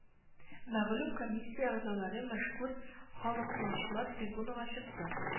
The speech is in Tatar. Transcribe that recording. Мәгълүм комиссия әгъзалары мәшһүр халыкъялчылар трибунага чыкты